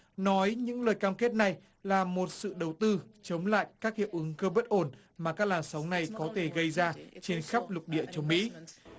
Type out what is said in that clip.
nói những lời cam kết này là một sự đầu tư chống lại các hiệu ứng cơ bất ổn mà các làn sóng này có thể gây ra trên khắp lục địa châu mỹ